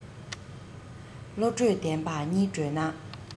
བློ གྲོས ལྡན པ གཉིས བགྲོས ན